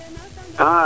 axa